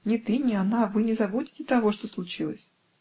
Ни ты, ни она -- вы не забудете того, что случилось".